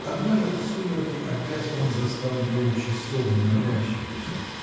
Однажды в сумерки опять он застал ее у часовни молящеюся.